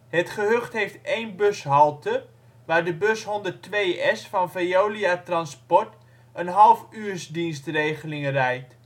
Het gehucht heeft één bushalte, waar bus 102s van Veolia Transport een halfuursdienstregeling rijdt